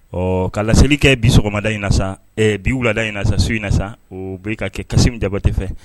Ɔ ka selieli kɛ bi sɔgɔmada in na sa ee bi wulada in na sa so in na sisan o bɛ ka kɛ kasi dabɔ tɛ fɛ